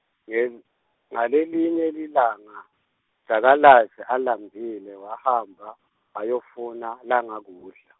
nge- ngalelinye lilanga, jakalazi alambile wahamba, wayofuna, langakudla.